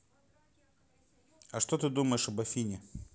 а что ты думаешь об афине